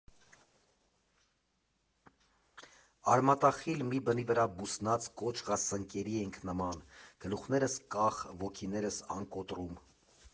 Արմատախիլ մի բնի վրա բուսնած կոճղասնկերի էինք նման, գլուխներս՝ կախ, ոգիներս՝ անկոտրում։